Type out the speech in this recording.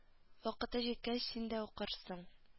Вакыты җиткәч син дә укырсың